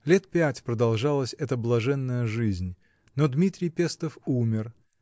Лет пять продолжалась эта блаженная жизнь, но Дмитрий Пестов умер